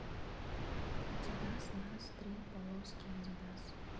адидас нас три полоски адидас